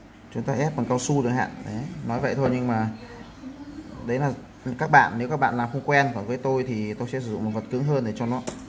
chúng ta ép bằng cao su chẳng hạn nói vậy thôi nhưng mà đấy là các bạn nếu các bạn làm không quen còn với tôi thì tôi sử dụng vật cứng hơn để cho nó